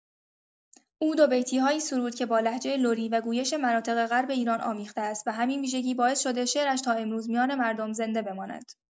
او دوبیتی‌هایی سرود که با لهجه لری و گویش مناطق غرب ایران آمیخته است و همین ویژگی باعث شده شعرش تا امروز میان مردم زنده بماند.